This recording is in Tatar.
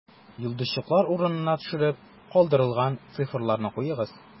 Йолдызчыклар урынына төшереп калдырылган цифрларны куегыз: